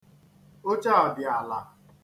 Oche a dị ala.